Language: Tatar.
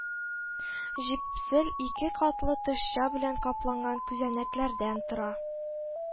Җепсел ике катлы тышча белән капланган күзәнәкләрдән тора